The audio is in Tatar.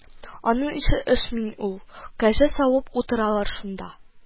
Аның ише эшмени ул, кәҗә савып утыралар шунда